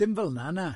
Dim felna, na.